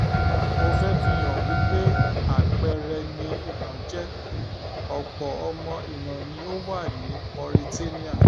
Mo fẹ́ fi hàn wípé àpẹẹrẹ ni Inal jẹ́; ọ̀pọ̀ ọmọ Inal' ni ó ti wà ní Mauritania.